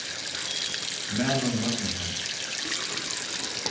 malan magnussen